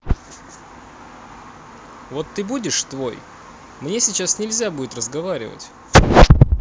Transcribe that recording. вот ты будешь твой мне сейчас нельзя будет разговаривать